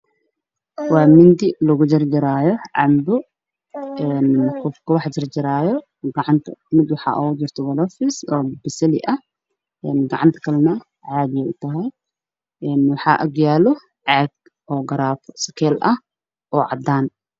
Waa mindi lagu jarjarayo canbo qofka waxa jarjaro gacanta waxa ugu jiro mid galoofis bisili ah gacanta kalana caadi waaye waxa agyaalo caag garaafo sakeel ah oo cadaan